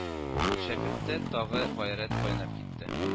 Шәкерттә тагы гайрәт кайнап китте